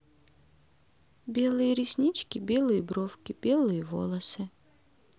белые реснички белые брови белые волосы